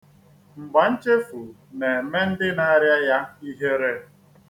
Mgbanchefu na-eme ndị na-arịa ya ihere